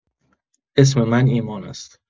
اسم من ایمان است.